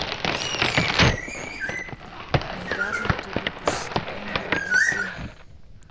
недавно ты любишь с тобой нет лазы